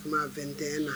Kuma fɛn tɛ